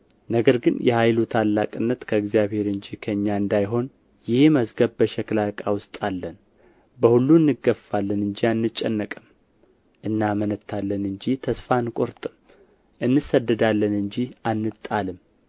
ነገር ግን የኃይሉ ታላቅነት ከእግዚአብሔር እንጂ ከእኛ እንዳይሆን ይህ መዝገብ በሸክላ ዕቃ ውስጥ አለን በሁሉ እንገፋለን እንጂ አንጨነቅም እናመነታለን እንጂ ተስፋ አንቆርጥም እንሰደዳለን እንጂ አንጣልም